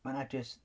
Ma' 'na jyst...